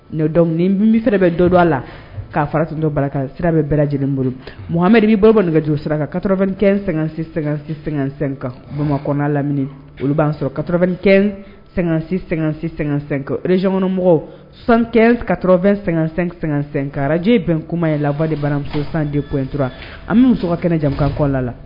Mais fɛrɛ bɛ dɔ don a la k'a fara tun dɔ bala sira bɛ bɛɛ lajɛlen bolo muhamadu'i boloba nɛgɛj siraka karɔ2kɛ--sɛ-sɛsɛka bamakɔ lamini olu b'an sɔrɔ ka2 sɛgɛn-sɛ-sɛsɛka rezyɔnmɔgɔw san ka2---sɛka araj bɛn kuma ye la de baramuso san de kuntura an bɛ muso ka kɛnɛ jamanakan kɔ la la